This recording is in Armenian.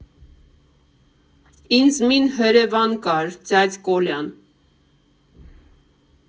Ինձ մին հըրևվան կար, ձյաձ Կոլյան։